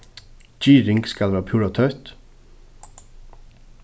girðing skal vera púra tøtt